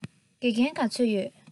དགེ རྒན ག ཚོད ཡོད ན